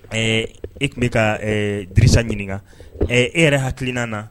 Ɛɛ e tun bɛ ka disa ɲininka e yɛrɛ hakilikinan na